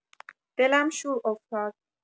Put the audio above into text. دلم شور افتاد